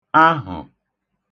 ahụ̀